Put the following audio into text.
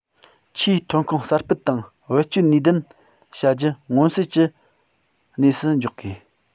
ཆུའི ཐོན ཁུངས གསར སྤེལ དང བེད སྤྱོད ནུས ལྡན བྱ རྒྱུ མངོན གསལ གྱི གནས སུ འཇོག དགོས